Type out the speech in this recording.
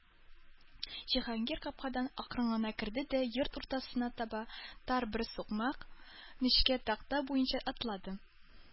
Җиһангир капкадан акрын гына керде дә йорт уртасына таба тар бер сукмак—нечкә такта буенча атлады.